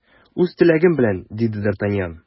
Үз теләгем белән! - диде д’Артаньян.